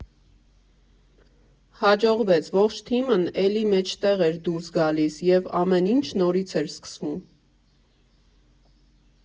Հաջողվեց՝ ողջ թիմն էլի մեջտեղ էր դուրս գալիս, և ամեն ինչ նորից էր սկսվում։